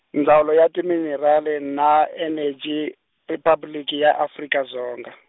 Ndzawulo ya Timinerali na Eneji, Riphabliki ya Afrika Dzonga.